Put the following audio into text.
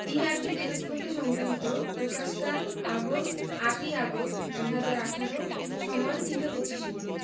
eআরকি desk হতে সংগৃহীতপ্রকাশকালঃ August ০৮ ২০১৮ সময়ঃ ৩টা ২৫ মিনিট